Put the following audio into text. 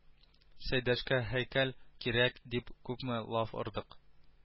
Сәйдәшкә һәйкәл кирәк дип күпме лаф ордык